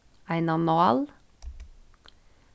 eina nál